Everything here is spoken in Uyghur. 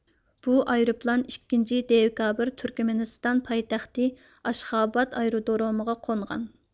بۇ ئايروپىلان ئىككىنچى دېكابىر تۈركمەنىستان پايتەختى ئاشخاباد ئايرودرومىغا قونغان